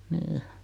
niin